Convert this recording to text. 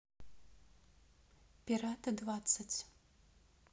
пираты двадцать